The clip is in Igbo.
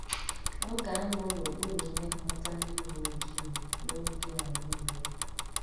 Ọ ga-anọ n'okpuru nlekọta ndị uwe ojii n'oge a niile.